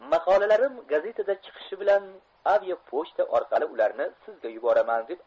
maqolalarim gazetada chiqishi bilan aviapochta orqali ularni sizga yuboraman deb